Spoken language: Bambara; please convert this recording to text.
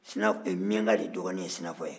miyanka de dɔgɔnin ye sinafɔ ye